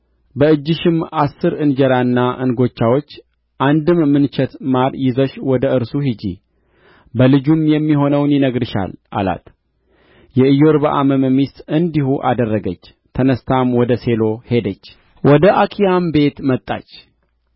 በእጅሽም አሥር እንጀራና እንጎቻዎች አንድም ምንቸት ማር ይዘሽ ወደ እርሱ ሂጂ በልጁም የሚሆነውን ይነግርሻል አላት የኢዮርብዓምም ሚስት እንዲሁ አደረገች ተነሥታም ወደ ሴሎ ሄደች ወደ አኪያም ቤት መጣች